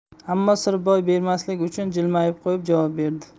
ammo sir boy bermaslik uchun jilmayib qo'yib javob berdi